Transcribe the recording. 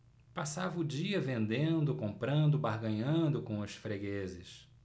passava o dia vendendo comprando barganhando com os fregueses